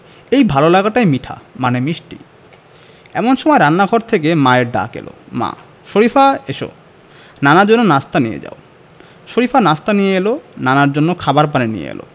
এই ভালো লাগাটাই মিঠা মানে মিষ্টি এমন সময় রান্নাঘর থেকে মায়ের ডাক এলো মা শরিফা এসো নানার জন্য নাশতা নিয়ে যাও শরিফা নাশতা নিয়ে এলো নানার জন্য খাবার পানি নিয়ে এলো